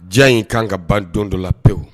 Diya in kan ka ban don dɔ la pewu